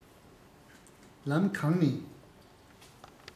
ལམ གང ནས